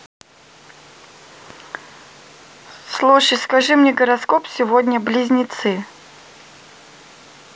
слушай скажи мне гороскоп сегодня близнецы